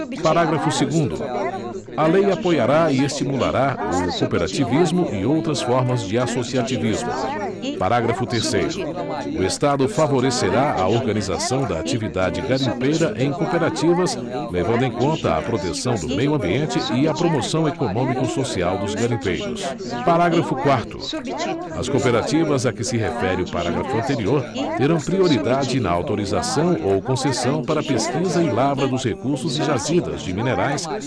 parágrafo segundo a lei apoiará e estimulará o cooperativismo e outras formas de associativismo parágrafo terceiro o estado favorecerá a organização da atividade garimpeira em cooperativas levando em conta a proteção do meio ambiente e a promoção econômico social dos garimpeiros parágrafo quarto as cooperativas a que se refere o parágrafo anterior terão prioridade na autorização ou concessão para pesquisa e lavra dos recursos e jazidas de minerais